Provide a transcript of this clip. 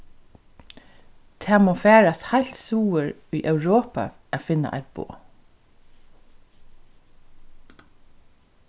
tað má farast heilt suður í europa at finna eitt boð